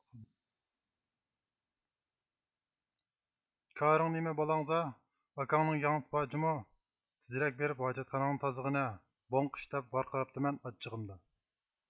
كارىڭ نېمە بالاڭزا ئاكاڭنىڭ ياڭزىسى بار جۇمۇ تېزرەك بېرىپ ھاجەتخانەڭنى تازىلىغىنا بوڭقۇش دەپ ۋارقىراپتىمەن ئاچچىقىمدا